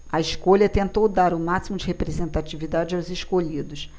a escolha tentou dar o máximo de representatividade aos escolhidos